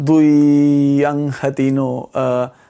Dwi anghytuno yy